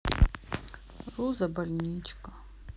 руза больничка